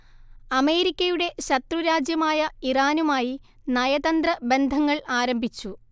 അമേരിക്കയുടെ ശത്രുരാജ്യമായ ഇറാനുമായി നയതന്ത്ര ബന്ധങ്ങൾ ആരംഭിച്ചു